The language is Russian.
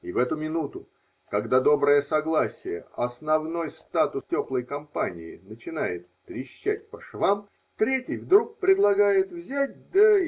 И в эту минуту, когда доброе согласие, основной статут теплой компании, начинает трещать по швам, третий вдруг предлагает взять да.